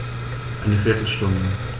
Eine viertel Stunde